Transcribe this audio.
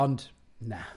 Ond, na.